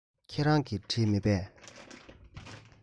ཁྱེད རང གིས བྲིས མེད པས